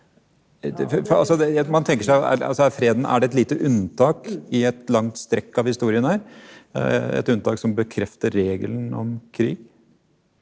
det altså det man tenker seg altså er freden er det et lite unntak i et langt strekk av historien her et unntak som bekrefter regelen om krig?